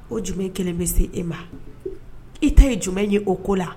O jumɛn kelen bɛ se e ma i ta ye jumɛn ye o ko la